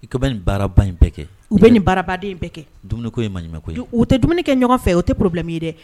U bɛ nin baaraba in bɛɛ kɛ , u bɛ nin baarabaden in bɛɛ kɛ, dumuniko ye maɲuma ko ye , u tɛ dumuni kɛ ɲɔgɔn fɛ, o tɛ problème ye dɛ